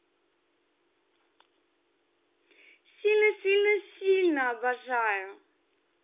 сильно сильно сильно обожаю